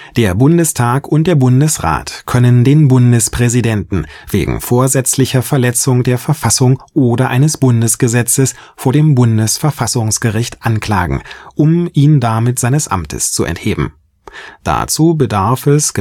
Der Bundestag und der Bundesrat können den Bundespräsidenten wegen vorsätzlicher Verletzung der Verfassung oder eines Bundesgesetzes vor dem Bundesverfassungsgericht anklagen, um ihn damit seines Amtes zu entheben. Dazu bedarf es